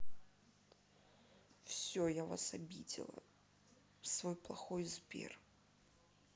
все я вас обидела свой плохой сбер